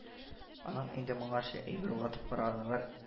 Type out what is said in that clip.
Аның инде моңарчы әйбер ватып караганы бар